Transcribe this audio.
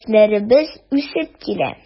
Яшьләребез үсеп килә.